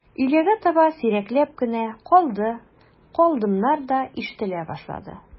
Өйләгә таба сирәкләп кенә «калды», «калдым»нар да ишетелә башлады.